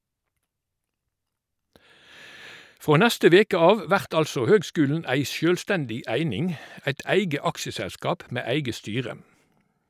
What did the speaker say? Frå neste veke av vert altså høgskulen ei sjølvstendig eining, eit eige aksjeselskap med eige styre.